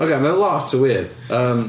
Oce mae o lot yn weird yym.